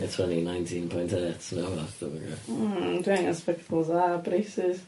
Ne' tweny nineteen point eight neu wbath. Dwi ddim yn gwybo. Hmm, dwi angan spectols a braces.